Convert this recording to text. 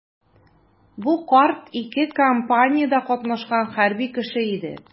Бу карт ике кампаниядә катнашкан хәрби кеше иде.